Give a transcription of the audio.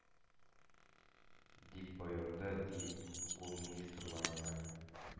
— дип боерды, ди, ул министрларына.